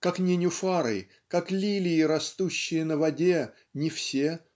Как ненюфары, как лилии, растущие на воде, - не все.